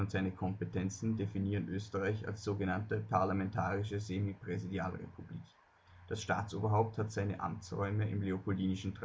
seine Kompetenzen definieren Österreich als sogenannte parlamentarische Semipräsidialrepublik. Das Staatsoberhaupt hat seine Amtsräume im Leopoldinischen